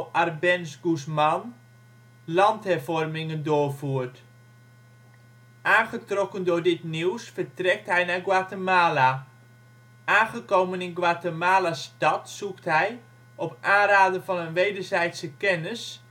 Arbenz Guzmán, landhervormingen doorvoert. Aangetrokken door dit nieuws vertrekt hij naar Guatemala. Aangekomen in Guatamala stad zoekt hij, op aanraden van een wederzijdse kennis